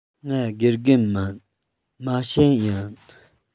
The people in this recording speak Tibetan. ང དགེ རྒན མིན མ བྱན ཡིན